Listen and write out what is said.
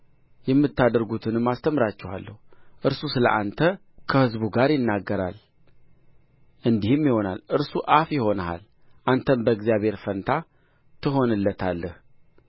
የምታደርጉትንም አስተምራችኋለሁ እርሱ ስለ አንተ ከሕዝቡ ጋር ይናገራል እንዲህም ይሆናል እርሱ አፍ ይሆንልሃል አንተም በእግዚአብሔር ፋንታ ትሆንለታለህ